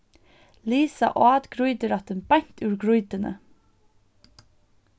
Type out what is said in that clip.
lisa át grýturættin beint úr grýtuni